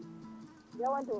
jaam woni toon